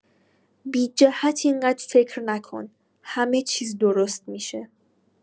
بی‌جهت انقدر فکر نکن، همه چیز درست می‌شه.